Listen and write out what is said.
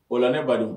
O la ne baro